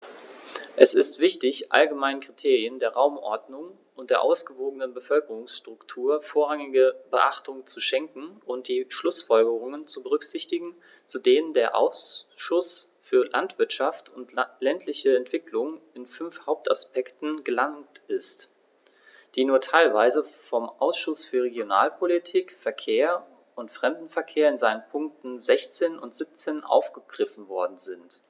Es ist wichtig, allgemeinen Kriterien der Raumordnung und der ausgewogenen Bevölkerungsstruktur vorrangige Beachtung zu schenken und die Schlußfolgerungen zu berücksichtigen, zu denen der Ausschuss für Landwirtschaft und ländliche Entwicklung in fünf Hauptaspekten gelangt ist, die nur teilweise vom Ausschuss für Regionalpolitik, Verkehr und Fremdenverkehr in seinen Punkten 16 und 17 aufgegriffen worden sind.